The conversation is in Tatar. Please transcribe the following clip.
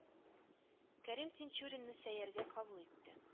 Кәрим Тинчуринны Сәйяр гә кабул итүе